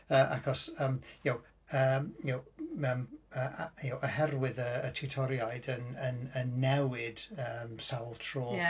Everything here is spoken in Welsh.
Yy achos yym y'know yym y'know m- yym a- a- y'know oherwydd yy y tiwtoriaid yn... yn... yn newid sawl tro.